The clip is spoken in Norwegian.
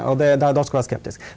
og det da da skal du være skeptisk.